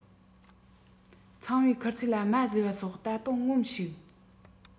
ཚངས པའི མཁུར ཚོས ལ རྨ བཟོས པ སོགས ད དུང ངོམས ཤིག